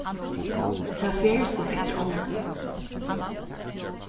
tað fer sum eftir ánni